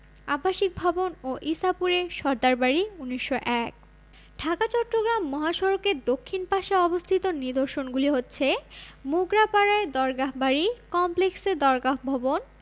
আবাসিক ভবন ও ঈসাপুরে সরদার বাড়ি ১৯০১ ঢাকা চট্টগ্রাম মহাসড়কের দক্ষিণ পাশে অবস্থিত নিদর্শনগুলি হচ্ছে মোগরাপাড়ায় দরগাহ বাড়ি কমপ্লেক্সে দরগাহ ভবন